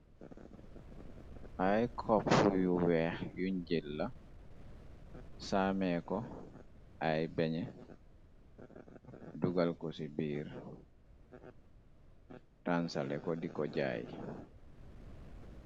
Ay koppr yu weex yuñjëlla saame ko ay beñe dugal ko ci biir transalé ko diko jaay.